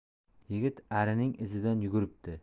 yigit arining izidan yuguribdi